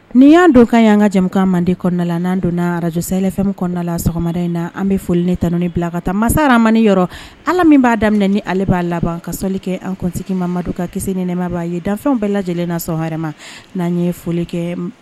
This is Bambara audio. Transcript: Ni y'an don ka y' an ka jamu mande kɔnɔna la n'an donna araj lɛfɛnmu kɔnɔna la sɔgɔmara in na an bɛ foli ne ta bila ka taa masaramani yɔrɔ ala min b'a daminɛ ni ale b'a laban ka soli kɛ an kuntigi mamadu ka kisi niɛnɛma b'a ye danfɛnw bɛɛ lajɛ lajɛlen na sɔn hma n'an ye foli kɛ